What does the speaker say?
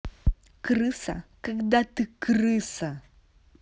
крыса когда ты крыса